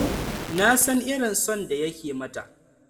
Nasan irin yawan son da yake mata.”